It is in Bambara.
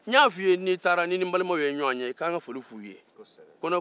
n y'a f'i ye n'i taara n'i ni n balimaw ye ɲɔgɔn ye i ka n ka foli fɔ u ye